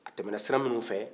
a tɛmɛna sira minnu fɛ